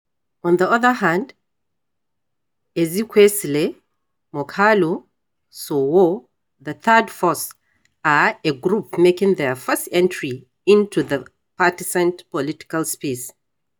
On the other hand, Ezekwesili, Moghalu, Sowore, the "third force", are a group making their first entry into the partisan political space.